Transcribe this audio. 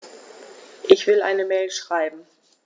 Ich will eine Mail schreiben.